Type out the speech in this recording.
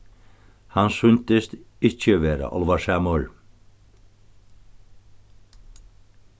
hann sýndist ikki vera álvarsamur